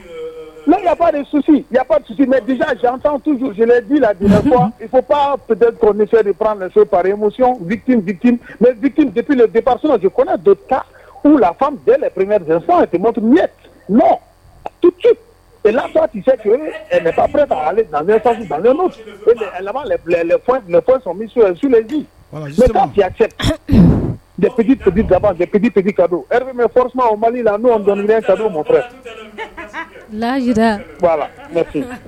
Sisip dɔ fan bɛɛbiki